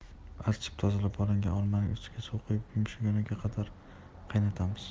archib tozalab olingan olmaning ustiga suv quyib yumshaguniga qadar qaynatamiz